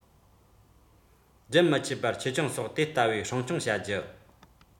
རྒྱུན མི ཆད པར ཆེ ཆུང སོགས དེ ལྟ བུའི སྲུང སྐྱོང བྱ རྒྱུ